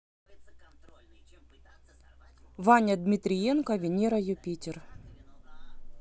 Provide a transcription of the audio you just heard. ваня дмитриенко венера юпитер